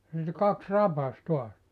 ja niitä kaksi rapasi taas